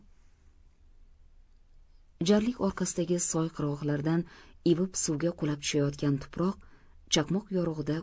jarlik orqasidagi soy qirg'oqlaridan ivib suvga qulab tushayotgan tuproq chaqmoq yorug'ida